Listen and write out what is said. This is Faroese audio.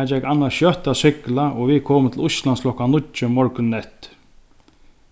tað gekk annars skjótt at sigla og vit komu til íslands klokkan níggju morgunin eftir